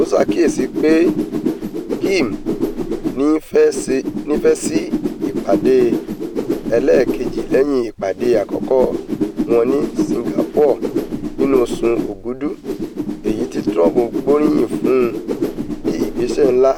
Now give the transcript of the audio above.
Ó ṣàkíyèsí pé Kim ní ìfẹ́ sí ìpàdé ẹlẹ́ẹ̀keji lẹ́yìn ìpàdé àkọ́kọ́ wọn ní Singapore nínú oṣù Òkúdu èyití Trump gbóríyìn fún bí ìgbésẹ̀ ńlá